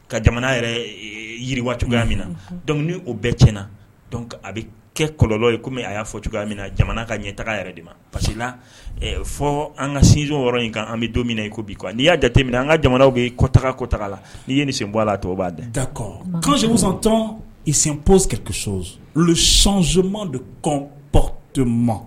Ka jamana yiriwa cogoyaya min na oo bɛɛ tiɲɛna a bɛ kɛ kɔlɔ ye kɔmi a y'a fɔ cogoyaya min na jamana ka ɲɛ taga yɛrɛ de ma parce fɔ an ka sinsɔn yɔrɔ in kan an bɛ don min i' kuwa n'i y'a jate min na an ka jamanaw bɛ'i kɔtaa kotaa la n'i ye nin sen bɔ la a tɔgɔ b'a da dakɔtɔn i senpkɛsɔn sɔn zoman de kɔnpto ma